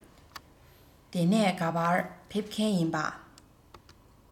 དེ ནས ག པར ཕེབས མཁན ཡིན པྰ